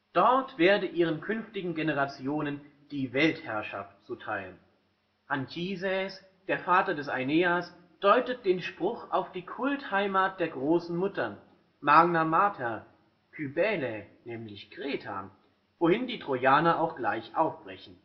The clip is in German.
dort werde ihren künftigen Generationen die Weltherrschaft zuteil. Anchises, der Vater des Aeneas, deutet den Spruch auf die Kultheimat der Großen Mutter (Magna Mater) Kybele, nämlich Kreta, wohin die Trojaner auch gleich aufbrechen